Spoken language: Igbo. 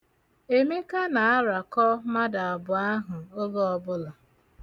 Emeka na-arakọ mmadụ abụọ ahụ oge ọbụla.